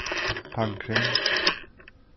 tannkrem